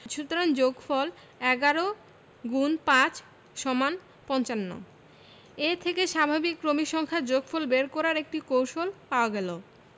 সুতরাং যোগফল ১১*৫=৫৫ এ থেকে স্বাভাবিক ক্রমিক সংখ্যার যোগফল বের করার একটি কৌশল পাওয়া গেল